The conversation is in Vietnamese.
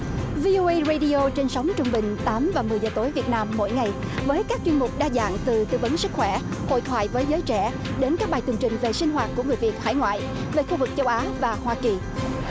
vi ô ây rây đi ô trên sống trung bình tám và mười giờ tối việt nam mỗi ngày với các chuyên mục đa dạng từ tư vấn sức khỏe hội thoại với giới trẻ đến các bài tường trình về sinh hoạt của người việt hải ngoại về khu vực châu á và hoa kỳ